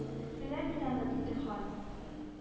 Беләм мин аны диде хан